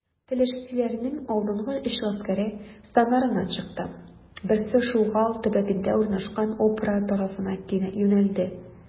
Пелештиләрнең алдынгы өч гаскәре, станнарыннан чыкты: берсе Шугал төбәгендә урнашкан Опра тарафына юнәлде.